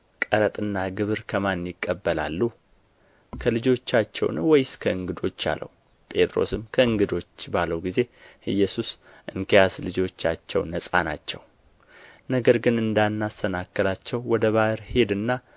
ቀረጥና ግብር ከማን ይቀበላሉ ከልጆቻቸውን ወይስ ከእንግዶች አለው ጴጥሮስም ከእንግዶች ባለው ጊዜ ኢየሱስ እንኪያስ ልጆቻቸው ነጻ ናቸው ነገር ግን እንዳናሰናክላቸው ወደ ባሕር ሂድና